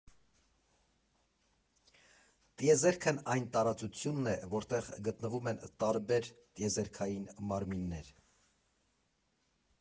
Տիեզերքն այն տարածությունն է, որտեղ գտնվում են տարբեր ՏԻԵԶԵՐՔԱՅԻՆ մարմիններ։